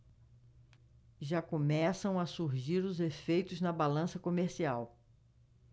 já começam a surgir os efeitos na balança comercial